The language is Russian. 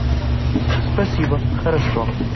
спасибо хорошо